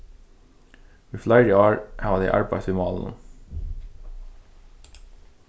í fleiri ár hava tey arbeitt við málinum